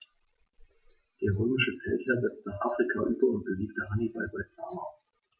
Der römische Feldherr setzte nach Afrika über und besiegte Hannibal bei Zama.